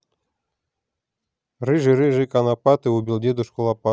рыжий рыжий конопатый убил дедушку лопатой